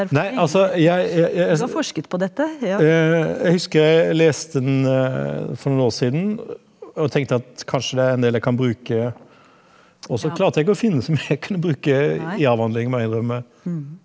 nei altså jeg jeg jeg jeg husker jeg leste den for noen år siden og tenkte at kanskje det er en del jeg kan bruke, og så klarte jeg ikke å finne så mye jeg kunne bruke i avhandlingen må jeg innrømme.